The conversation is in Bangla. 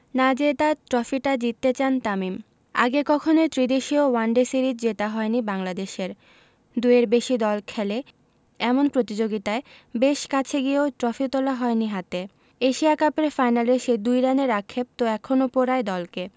না জেতা ট্রফিটা জিততে চান তামিম আগে কখনোই ত্রিদেশীয় ওয়ানডে সিরিজ জেতা হয়নি বাংলাদেশের দুইয়ের বেশি দল খেলে এমন প্রতিযোগিতায় বেশ কাছে গিয়েও ট্রফি তোলা হয়নি হাতে এশিয়া কাপের ফাইনালের সেই ২ রানের আক্ষেপ তো এখনো পোড়ায় দলকে